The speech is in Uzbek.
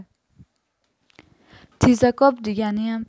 tezakop deganiyam